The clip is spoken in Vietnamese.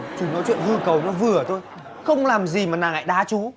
chú nói chuyện hư cấu nó vừa thôi không làm gì mà nàng lại đá chú